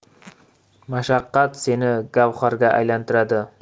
mashaqqat seni gavharga aylantiradi